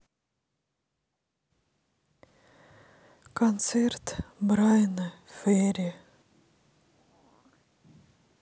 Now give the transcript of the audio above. концерт брайана ферри